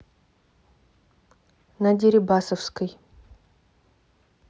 на дерибасовской